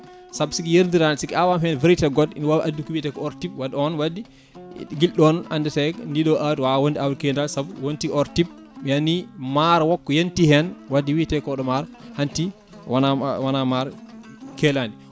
saabu siki yeridira siki awama hen variété goɗɗo ina wawi addude ko wiyete ko or type wadde on wadde guila ɗon andete ndi ɗo awdi wawa wonde awdi keeladi saabu wonti or type yani maaro wokko yanti hen wadde wiite koɗo maaro hanti wona maaro keeladi